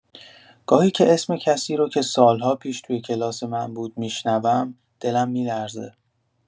گاهی که اسم کسی رو که سال‌ها پیش توی کلاس من بود می‌شنوم، دلم می‌لرزه.